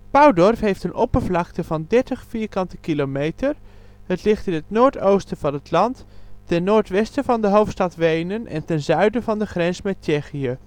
Paudorf heeft een oppervlakte van 30,09 km². Het ligt in het noordoosten van het land, ten noordwesten van de hoofdstad Wenen en ten zuiden van de grens met Tsjechië